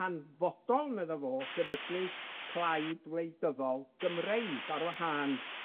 hanfodol medda fo sefydlu plaid wleidyddol Gymreig ar wahân